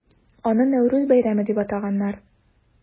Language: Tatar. Аны Нәүрүз бәйрәме дип атаганнар.